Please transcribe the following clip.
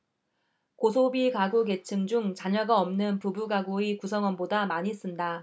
고소비가구계층 중 자녀가 없는 부부가구의 구성원보다 많이 쓴다